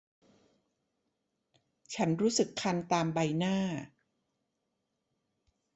ฉันรู้สึกคันตามใบหน้า